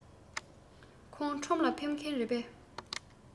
ཁོང ཁྲོམ ལ ཕེབས མཁན རེད པས